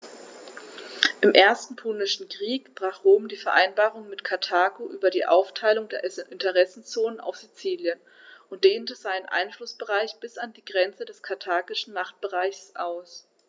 Im Ersten Punischen Krieg brach Rom die Vereinbarung mit Karthago über die Aufteilung der Interessenzonen auf Sizilien und dehnte seinen Einflussbereich bis an die Grenze des karthagischen Machtbereichs aus.